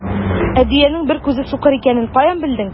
Ә дөянең бер күзе сукыр икәнен каян белдең?